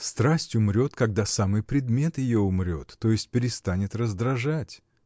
Страсть умрет, когда самый предмет ее умрет, то есть перестанет раздражать.